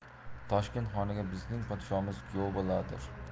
toshkent xoniga bizning podshomiz kuyov bo'ladir